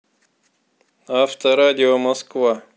авторадио москва